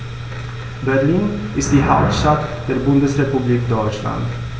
Berlin ist die Hauptstadt der Bundesrepublik Deutschland.